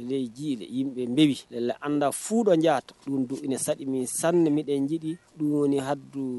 Ji bɛbi anda fu dɔ y' sa nimedjidi donɔni hadu